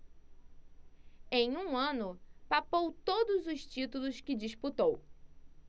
em um ano papou todos os títulos que disputou